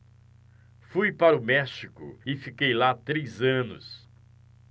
fui para o méxico e fiquei lá três anos